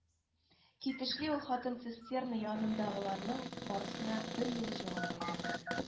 Китешли ул хатын цистерна якындагыларның барысына берьюлы җавап кайтарды: